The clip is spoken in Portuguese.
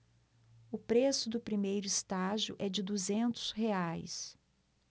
o preço do primeiro estágio é de duzentos reais